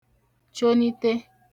chonite